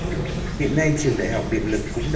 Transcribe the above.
hiện nay trường đại học điện lực cũng